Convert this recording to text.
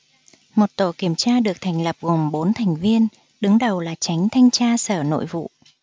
một tổ kiểm tra được thành lập gồm bốn thành viên đứng đầu là chánh thanh tra sở nội vụ